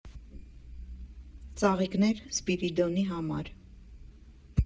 «Ծաղիկներ Սպիրիդոնի համար»